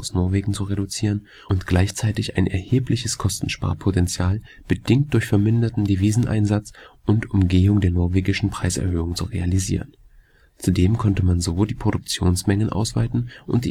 Norwegen zu reduzieren und gleichzeitig ein erhebliches Kostensparpotenzial bedingt durch verminderten Deviseneinsatz und Umgehung der norwegischen Preiserhöhung zu realisieren. Zudem konnte man so die Produktionsmengen ausweiten und